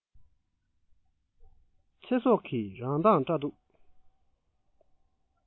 ཚེ སྲོག གི རང མདངས བཀྲ འདུག